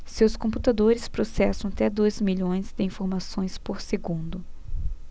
seus computadores processam até dois milhões de informações por segundo